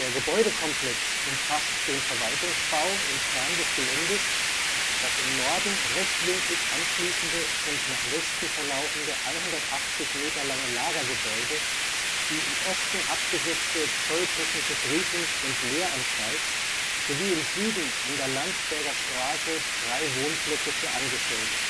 Gebäudekomplex umfasst den Verwaltungsbau im Kern des Geländes, das im Norden rechtwinklig anschließende und nach Westen verlaufende 180 m lange Lagergebäude, die im Osten abgesetzte Zolltechnische Prüfungs - und Lehranstalt sowie im Süden an der Landsberger Straße drei Wohnblöcke für Angestellte